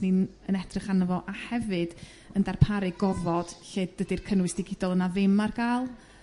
ni'n yn edrych arno fo a hefyd yn darparu gofod lle dydi'r cynnwys digidol yna ddim ar ga'l.